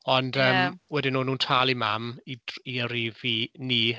Ond yym... ie. ...wedyn o'n nhw'n talu mam i dr- i yrru fi... ni...